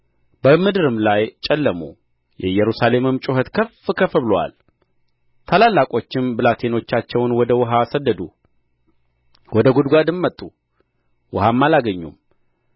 በምድርም ላይ ጨለሙ የኢየሩሳሌም ጩኸት ከፍ ከፍ ብሎአል ታላላቆችም ብላቴኖቻቸውን ወደ ውኃ ሰደዱ ወደ ጕድጓድ መጡ ውኃም አላገኙም